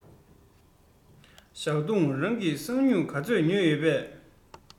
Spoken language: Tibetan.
ཞའོ ཏུང རང གིས ཞྭ སྨྱུག ག ཚོད ཉོས ཡོད པས